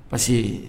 Parceque